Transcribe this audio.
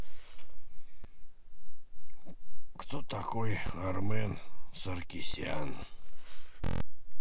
кто такой армен саркисян